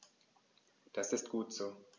Das ist gut so.